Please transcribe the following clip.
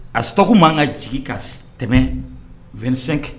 A sitɔku ma kan ka jigi ka tɛmɛ vɛnɛn